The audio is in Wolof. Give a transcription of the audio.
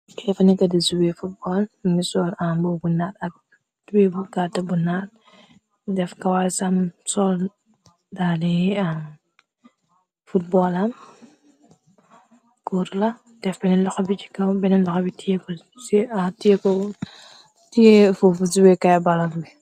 xeefa nek de zuwe fuotbol mnigi sool am boobu naat ak twibu gaata bu naal def kawaay sam sool daale yi am futboolam goor la def bennen loxa bi ci kaw benn loxa bi tefofu ziwekay baal bi.